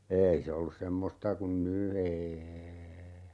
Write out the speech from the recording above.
ei se ollut semmoista kuin nyt ei